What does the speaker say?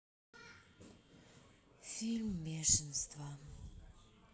фильм бешенство